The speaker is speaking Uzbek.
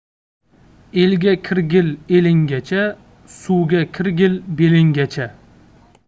elga kirgil elingcha suvga khgil belingcha